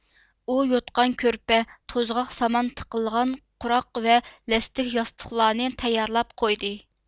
ئۇ يوتقان كۆرپە توزغاق سامان تىقىلغان قۇراق ۋە لەستىك ياستۇقلارنى تەييارلاپ قويدى